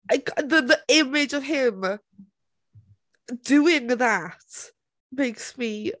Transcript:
I- I- ca- the, the image of him doing that makes me...